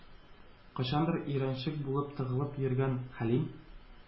Кайчандыр өйрәнчек булып тагылып йөргән Хәлим